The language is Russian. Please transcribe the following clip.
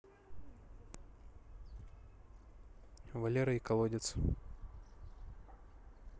валера и колодец